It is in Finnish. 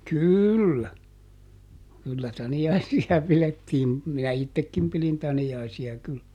kyllä kyllä taniaisia pidettiin minä itsekin pidin taniaisia kyllä